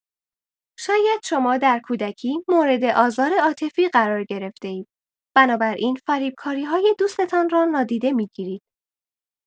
شاید شما در کودکی مورد آزار عاطفی قرار گرفته‌اید، بنابراین فریب کاری‌های دوستتان را نادیده می‌گیرید.